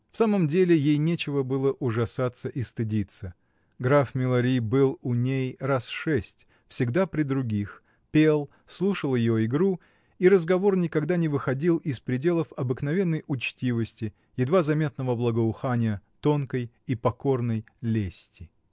В самом деле, ей нечего было ужасаться и стыдиться: граф Милари был у ней раз шесть, всегда при других, пел, слушал ее игру и разговор, никогда не выходил из пределов обыкновенной учтивости, едва заметного благоухания тонкой и покорной лести.